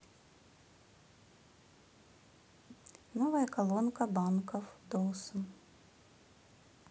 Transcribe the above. новая колонка банков доусон